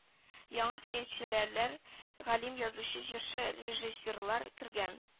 Аңа сәяәсәтчеләр галим язучы җырчы режиссерлар кергән